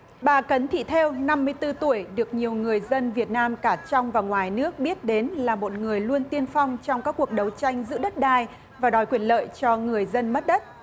bà cấn thị thêu năm mươi tư tuổi được nhiều người dân việt nam cả trong và ngoài nước biết đến là một người luôn tiên phong trong các cuộc đấu tranh giữ đất đai và đòi quyền lợi cho người dân mất đất